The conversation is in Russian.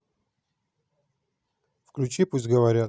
включи пусть говорят